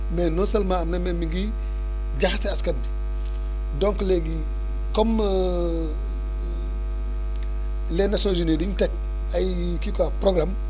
mais non seulement am na mais mi ngi jaxase askan bi donc léegi comme les nations unies dañu teg ay kii quoi programmes